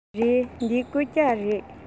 རེད འདི རྐུབ བཀྱག རེད